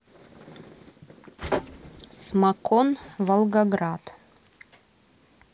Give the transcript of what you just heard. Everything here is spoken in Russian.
смакон волгоград